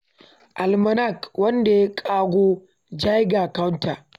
Almanac: Wanda ya ƙago Geiger Counter